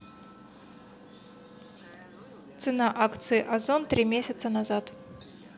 цена акций озон три месяца назад